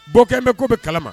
Bɔkɛbɛn ko bɛ kalama